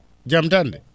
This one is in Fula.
jam tan de